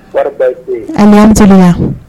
Kɔri basi te yen? An kan teliya.